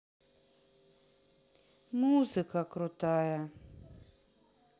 музыка крутая